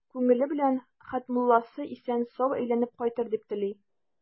Күңеле белән Хәтмулласы исән-сау әйләнеп кайтыр дип тели.